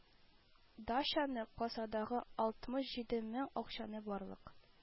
Дачаны, кассадагы алтмыш җиде мең акчаны барлык